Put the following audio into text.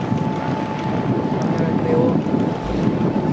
hann hevur ein toyota